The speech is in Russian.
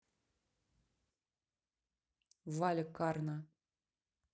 валя карна